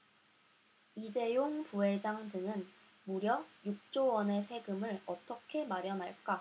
이재용 부회장 등은 무려 육 조 원의 세금을 어떻게 마련할까